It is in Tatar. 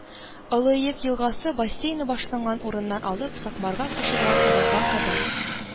Олы Иек елгасы бассейны башланган урыннан алып Сакмарга кушылган урынга кадәр